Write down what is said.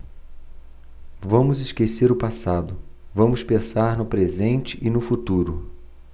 vamos esquecer o passado vamos pensar no presente e no futuro